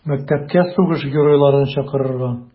Мәктәпкә сугыш геройларын чакырырга.